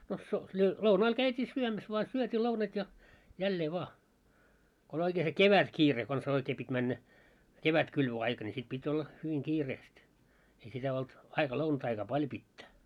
no -- lounaalla käytiin syömässä vain syötiiin lounaat ja jälleen vaan kun oli oikein se kevätkiire konsa oikein piti mennä kevätkylvöaika niin sitten piti olla hyvin kiireesti ei sitä ollut aika lounasaikaa paljon pitää